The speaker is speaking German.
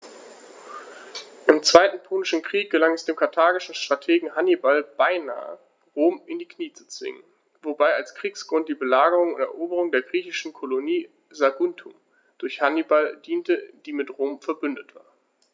Im Zweiten Punischen Krieg gelang es dem karthagischen Strategen Hannibal beinahe, Rom in die Knie zu zwingen, wobei als Kriegsgrund die Belagerung und Eroberung der griechischen Kolonie Saguntum durch Hannibal diente, die mit Rom „verbündet“ war.